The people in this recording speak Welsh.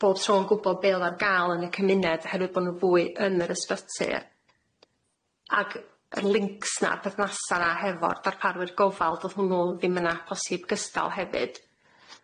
bob tro'n gwbo be' odd ar ga'l yn y cymuned oherwydd bo' n'w fwy yn yr ysbyty ag y links na'r perthnasa' na hefo'r darparwyr gofal do'dd hwnnw ddim yna posib gysdal hefyd.